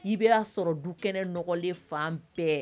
I be a sɔrɔ dukɛnɛ nɔgɔlen fan bɛɛ